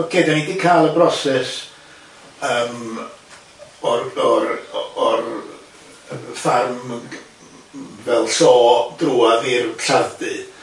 Ocê dan ni di ca'l y broses yym o'r o'r o'r yym ffarm yn g- m- fel llô drwadd i'r lladd-dy